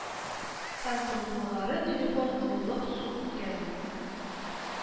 Һәм корылмалары телефон, ылылык, су үткәрү